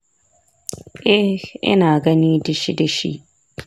eh ina gani dishi-dishi